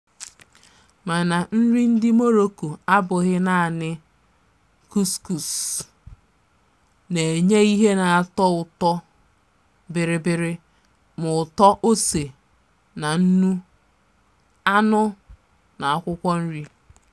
Mana nri ndị Morocco abụghị naanị kuskus, na-enye ihe na-atọ ụtọ biribiri ma ụtọ ose na nnu, anụ na akwụkwọ nrị.